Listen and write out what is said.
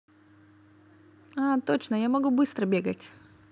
а точно я могу быстро бегать